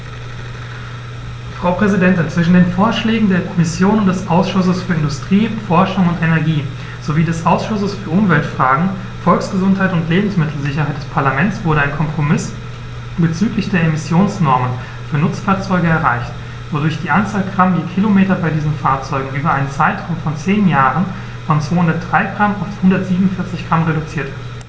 Frau Präsidentin, zwischen den Vorschlägen der Kommission und des Ausschusses für Industrie, Forschung und Energie sowie des Ausschusses für Umweltfragen, Volksgesundheit und Lebensmittelsicherheit des Parlaments wurde ein Kompromiss bezüglich der Emissionsnormen für Nutzfahrzeuge erreicht, wodurch die Anzahl Gramm je Kilometer bei diesen Fahrzeugen über einen Zeitraum von zehn Jahren von 203 g auf 147 g reduziert wird.